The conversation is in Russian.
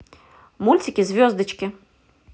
мультики звездочки